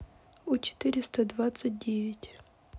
у четыреста двадцать девять